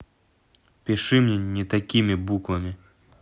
пиши мне не такими буквами